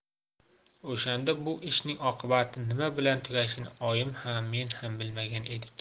o'shanda bu ishning oqibati nima bilan tugashini oyim ham men ham bilmagan edik